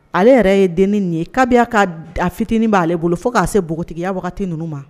Ale yɛrɛ ye denin ye kabi ka a fitinin b'ale bolo fo k'a se npogotigiya ninnu ma